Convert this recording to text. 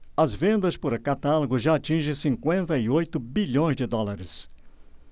as vendas por catálogo já atingem cinquenta e oito bilhões de dólares